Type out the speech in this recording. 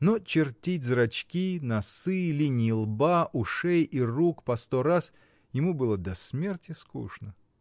Но чертить зрачки, носы, линии лба, ушей и рук по сту раз — ему было до смерти скучно.